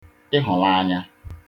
ịhụ̀laanya